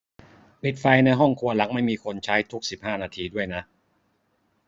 ปิดไฟในห้องครัวหลังไม่มีคนใช้ทุกสิบห้าด้วยนะ